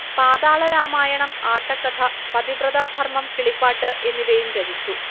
പാതാളരാമായണം ആട്ടക്കഥ പതിവ്രതാധർമം കിളിപ്പാട്ട് എന്നിവയും രചിച്ചു